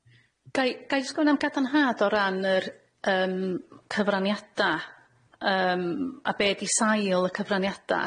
Ga i- ga i jys' gofyn am gadarnhad o ran yr yym cyfraniada', yym a be' 'di sail y cyfraniada'?